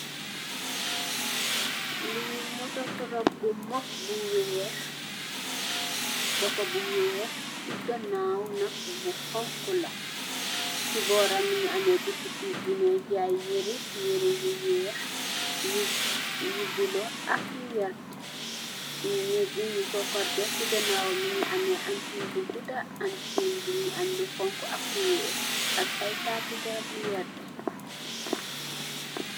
Li moto truck bu mag bu weeh, boppa bi weeh, ci ganaaw nak bu honku la, ci boram mungi ameh bitik bunu jaay yiré, yiré yu weeh, yu bulo ak yu vert. nèeg bi nung ko corket ci ganaawam mungi ameh anten bi gudda, anten bi mungi am lu honku ak lu weeh ak ay taati garab yu vert.